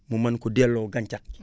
mu mën ko delloo gàncax gi